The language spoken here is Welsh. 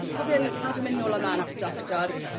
fi'n cofio o'n i'n cadw mynd nôl a mlan at y doctor